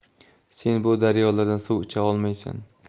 sen bu daryolardan suv icha olmaysan